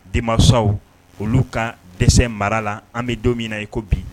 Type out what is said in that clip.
Denmasaw olu ka dɛsɛ mara la, an bɛ don min na i ko bi.